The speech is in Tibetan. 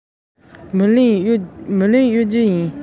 གཅུང མོའི གཉིད དཀྲོགས སོང